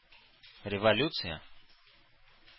Революция